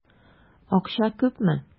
Акча күпме?